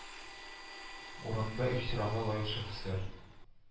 Урынында ихтирамга лаек шәхесләр